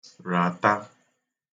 ràta